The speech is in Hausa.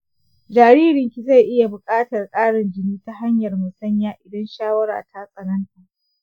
jaririnki zai iya buƙatar ƙarin jini ta hanyar musanya idan shawara ta tsananta